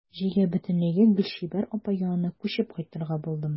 Җәйгә бөтенләйгә Гөлчибәр апа янына күчеп кайтырга булдым.